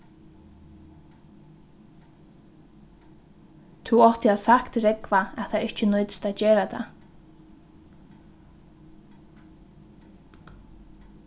tú átti at sagt rógva at tær ikki nýtist at gera tað